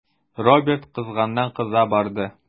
Роберт кызганнан-кыза барды.